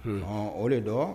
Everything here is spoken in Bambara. H o de dɔn